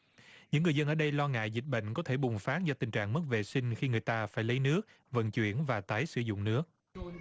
những người dân ở đây lo ngại dịch bệnh có thể bùng phát do tình trạng mất vệ sinh khi người ta phải lấy nước vận chuyển và tái sử dụng nước